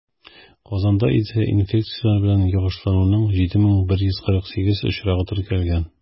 Казанда исә инфекцияләр белән йогышлануның 7148 очрагы теркәлгән.